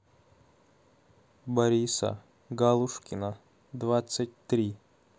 бориса галушкина двадцать три